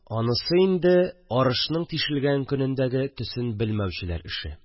Анысы инде арышның тишелгән көнендәге төсен белмәүчеләр эше